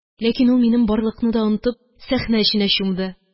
Ләкин ул, минем барлыкны да онытып, сәхнә эченә чумды.